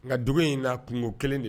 Nka dugu in na kungo kelen de